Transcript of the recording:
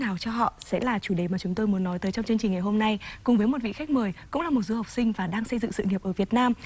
nào cho họ sẽ là chủ đề mà chúng tôi muốn nói tới trong chương trình ngày hôm nay cùng với một vị khách mời cũng là một du học sinh và đang xây dựng sự nghiệp ở việt nam